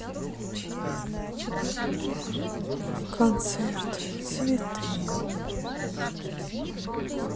концерт цветы